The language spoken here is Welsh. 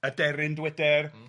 y deryn, dyweder... M-hm.